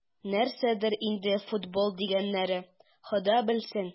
Нәрсәдер инде "футбол" дигәннәре, Хода белсен...